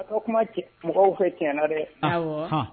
Kuma mɔgɔw fɛ tiɲɛɲɛna dɛ